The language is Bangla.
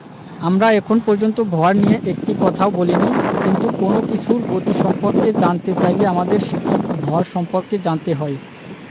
আমরা এখন পর্যন্ত ভর নিয়ে একটি কথাও বলিনি কিন্তু কোনো কিছুর গতি সম্পর্কে জানতে চাইলে আমাদের সেটির ভর সম্পর্কে জানতে হয়